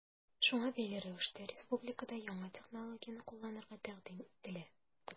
Шуңа бәйле рәвештә республикада яңа технологияне кулланырга тәкъдим ителә.